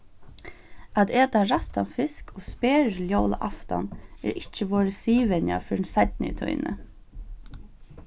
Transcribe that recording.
at eta ræstan fisk og sperðil jólaaftan er ikki vorðið siðvenja fyrr enn seinni í tíðini